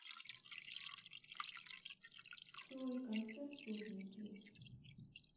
цой концерт лужники